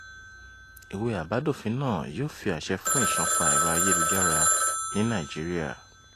Ìwé àbádòfin náà yóò fi àṣẹ fún ìṣánpa ẹ̀rọ ayélujára ní Nàìjíríàj